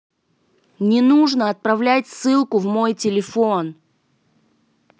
не нужно отправлять ссылку в мой телефон